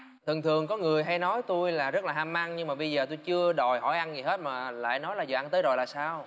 thường thường có người hay nói tôi là rất là ham ăn nhưng mà bây giờ tôi chưa đòi hỏi ăn gì hết mà lại nói là giờ ăn tới rồi là sao